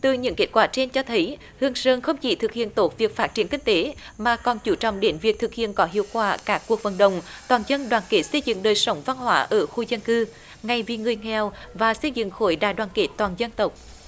từ những kết quả trên cho thấy hương sơn không chỉ thực hiện tốt việc phát triển kinh tế mà còn chú trọng đến việc thực hiện có hiệu quả các cuộc vận động toàn dân đoàn kết xây dựng đời sống văn hóa ở khu dân cư ngày vì người nghèo và xây dựng khối đại đoàn kết toàn dân tộc